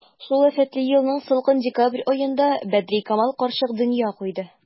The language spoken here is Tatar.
Шул афәтле елның салкын декабрь аенда Бәдрикамал карчык дөнья куйды.